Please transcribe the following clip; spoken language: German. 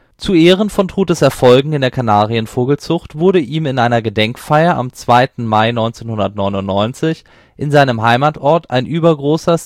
Zu Ehren von Trutes Erfolgen in der Kanarienvogelzucht wurde ihm in einer Gedenkfeier am 2. Mai 1999 in seinem Heimatort ein übergroßer